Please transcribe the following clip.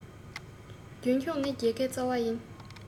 རྒྱུན འཁྱོངས ནི རྒྱལ ཁའི རྩ བ ཡིན